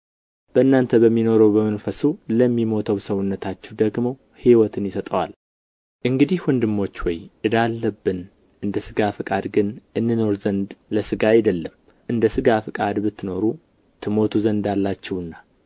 በእናንተ በሚኖረው በመንፈሱ ለሚሞተው ሰውነታችሁ ደግሞ ሕይወትን ይሰጠዋል እንግዲህ ወንድሞች ሆይ ዕዳ አለብን እንደ ሥጋ ፈቃድ ግን እንኖር ዘንድ ለሥጋ አይደለም እንደ ሥጋ ፈቃድ ብትኖሩ ትሞቱ ዘንድ አላችሁና